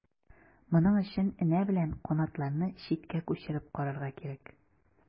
Моның өчен энә белән канатларны читкә күчереп карарга кирәк.